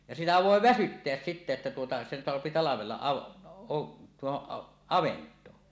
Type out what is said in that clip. ja sitä voi väsyttää sitten että tuota sen saa talvella -- tuohon avantoon